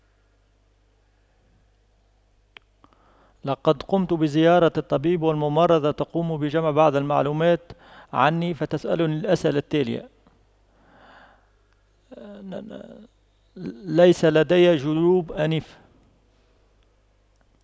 لقد قمت بزيارة الطبيب والممرضة تقوم بجمع بعض المعلومات عني فتسألني الأسئلة التالية ليس لدي جيوب انف